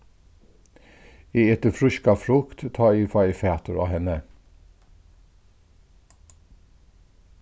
eg eti fríska frukt tá ið eg fái fatur á henni